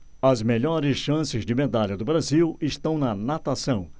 as melhores chances de medalha do brasil estão na natação